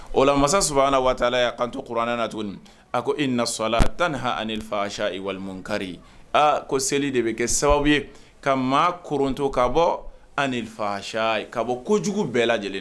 O ola masa saba waatila a kan to kuranɛ la tuguni a ko i nasola taa ni h anifa sa walikariri aa ko seli de bɛ kɛ sababu ye ka maa ktɔ ka bɔ anifa ka bɔ kojugu bɛɛ lajɛlen